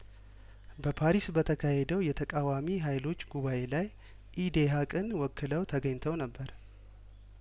በፓሪስ በተካሄደው የተቃዋሚ ሀይሎች ጉባኤ ላይ ኢዴሀቅን ወክለው ተገኝተው ነበር